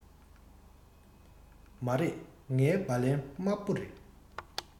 མ རེད ངའི སྦ ལན དམར པོ རེད